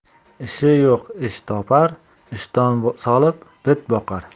ishi yo'q ish topar ishton solib bit boqar